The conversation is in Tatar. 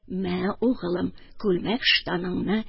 Мә, угылым, күлмәк-ыштаныңны.